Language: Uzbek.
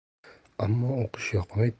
ammo o'qish yoqmay